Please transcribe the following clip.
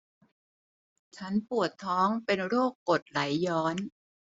ฉันปวดท้องเป็นโรคกรดไหลย้อน